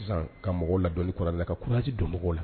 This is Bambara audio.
Ka mɔgɔw la dɔni kɔrɔ la ka kuraji don mɔgɔw la